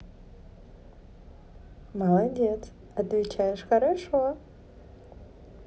молодец отвечаешь хорошо